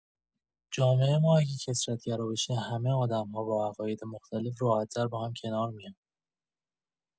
جامعه ما اگه کثرت‌گرا بشه، همه آدم‌ها با عقاید مختلف راحت‌تر با هم کنار میان.